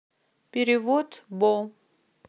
перевод бо